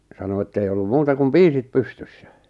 sanoi että ei ollut muuta kuin piisit pystyssä